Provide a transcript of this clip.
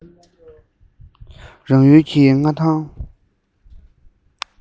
རང ཡུལ གྱི མངའ ཐང